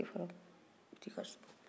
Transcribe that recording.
n'a ni min ka kan a b'o d'i ma i bɛ taa